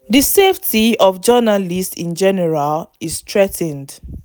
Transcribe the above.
The safety of journalists, in general, is threatened.